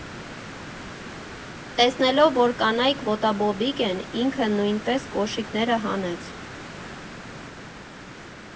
Տեսնելով, որ կանայք ոտաբոբիկ են, ինքը նույնպես կոշիկները հանեց։